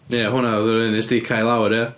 Ia, hwnna oedd yr un wnest ti cau lawr ia?